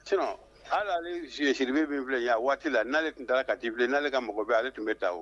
Sinon hali ale sidibe min filɛ yan , waati la n'ale tun taara ka t'i fillɛ, n'ale ka mɔgɔ bɛ yen, ale tun bɛ taa wo.